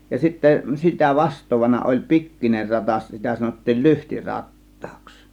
ja sitten sitä vastaavana oli pikkuinen ratas sitä sanottiin - lyhtirattaaksi